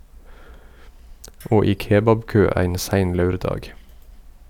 Og i kebabkø ein sein laurdag.